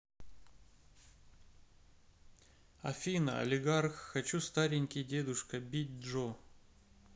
афина олигарх хочу старенький дедушка бить джо